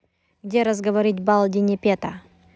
где разговорить балди непета